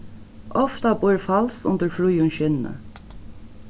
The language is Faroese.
ofta býr fals undir fríðum skinni